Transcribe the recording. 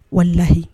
Waliyi